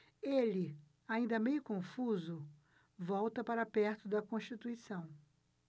ele ainda meio confuso volta para perto de constituição